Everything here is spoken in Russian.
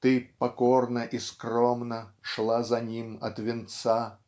Ты покорно и скромно Шла за ним от венца